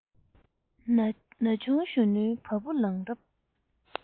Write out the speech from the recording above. ན ཆུང གཞོན ནུའི བ སྤུ ལངས རབས